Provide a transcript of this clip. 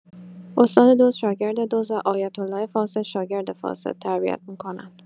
استاد دزد شاگرد دزد و آیت‌الله فاسد شاگرد فاسد تربیت می‌کند.